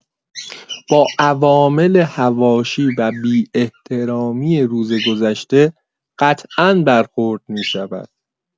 با عوامل حواشی و بی‌احترامی روز گذشته قطعا برخورد می‌شود.